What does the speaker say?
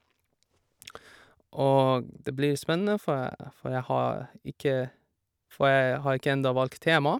Og det blir spennende, for jeg for jeg har ikke for jeg har ikke enda valgt tema.